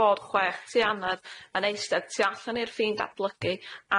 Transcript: bod chwech tŷ annedd yn eistedd tu allan i'r ffin datblygu